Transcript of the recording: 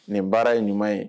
Nin baara ye ɲuman ye